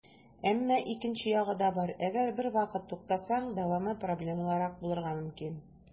Әмма икенче ягы да бар - әгәр бервакыт туктасаң, дәвамы проблемалырак булырга мөмкин.